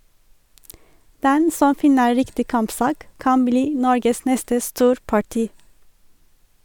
Den som finner riktig kampsak, kan bli Norges neste storparti.